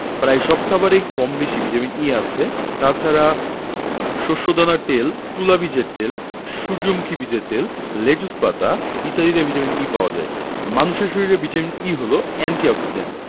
প্রায় সব খাবারেই কমবেশি ভিটামিন E আছে তাছাড়া শস্যদানার তেল তুলা বীজের তেল সূর্যমুখী বীজের তেল লেটুস পাতা ইত্যাদিতে ভিটামিন E পাওয়া যায় মানুষের শরীরে ভিটামিন E হলো এন্টি অক্সিডেন্ট